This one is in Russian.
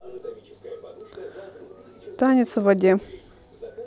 танец в воде